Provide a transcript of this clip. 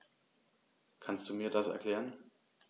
Kannst du mir das erklären?